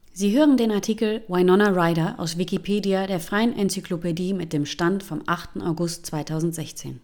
Sie hören den Artikel Winona Ryder, aus Wikipedia, der freien Enzyklopädie. Mit dem Stand vom Der